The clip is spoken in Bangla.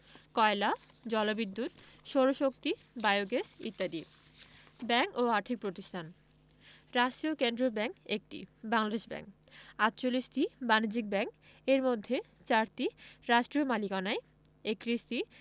কয়লা জলবিদ্যুৎ সৌরশক্তি বায়োগ্যাস ইত্যাদি ব্যাংক ও আর্থিক প্রতিষ্ঠানঃ রাষ্ট্রীয় কেন্দ্রীয় ব্যাংক ১টি বাংলাদেশ ব্যাংক ৪৮টি বাণিজ্যিক ব্যাংক এর মধ্যে ৪টি রাষ্ট্রীয় মালিকানায় ৩১টি